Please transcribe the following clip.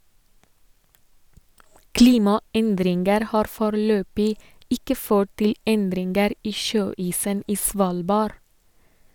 Klimaendringer har foreløpig ikke ført til endringer i sjøisen i Svalbard.